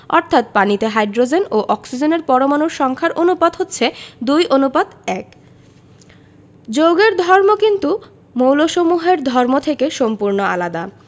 অর্থাৎ পানিতে হাইড্রোজেন ও অক্সিজেনের পরমাণুর সংখ্যার অনুপাত হচ্ছে ২ অনুপাত ১যৌগের ধর্ম কিন্তু মৌলসমূহের ধর্ম থেকে সম্পূর্ণ আলাদা